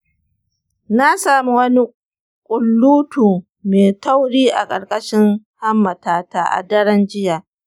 na sami wani ƙullutu mai tauri a ƙarƙashin hammatata a daren jiya.